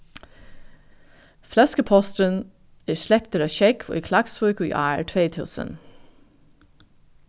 fløskuposturin er sleptur á sjógv í klaksvík í ár tvey túsund